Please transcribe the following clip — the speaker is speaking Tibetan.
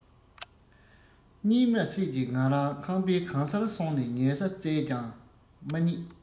གཉིད མ སད ཀྱི ང རང ཁང པའི གང སར སོང ནས ཉལ ས བཙལ ཡང མ རྙེད